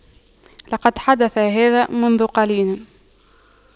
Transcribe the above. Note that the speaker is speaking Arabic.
لقد حدث هذا منذ قليل